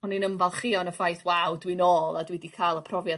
o'n i'n ymfalchuo yn y ffaith waw dwi nôl a dwi 'di ca'l y profiad